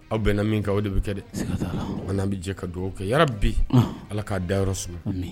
Aw bɛnna min kɛ o de bɛ kɛ an n'an bɛ jɛ ka dugawu kɛ ya bi ala k'a dayɔrɔ so